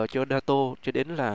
cho na tô cho đến là